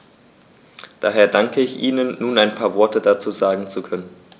Daher danke ich Ihnen, nun ein paar Worte dazu sagen zu können.